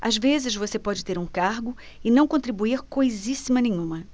às vezes você pode ter um cargo e não contribuir coisíssima nenhuma